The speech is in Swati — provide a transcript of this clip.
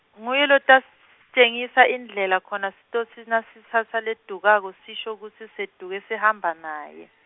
nguye lotasitjengisa indlela khona sitsotsi nasitsatsa ledukako sisho kutsi seduke sihamba naye.